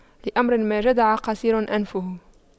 لأمر ما جدع قصير أنفه